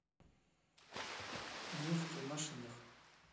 музыка в машинах